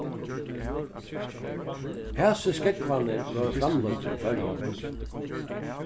hasir skógvarnir vóru framleiddir í føroyum